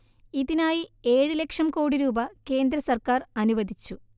ഇതിനായി ഏഴ് ലക്ഷം കോടി രൂപ കേന്ദ്ര സർക്കാർ അനുവദിച്ചു